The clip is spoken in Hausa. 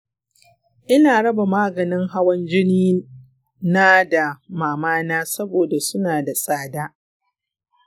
ina raba maganin hawan jini na da mama na saboda suna da tsada.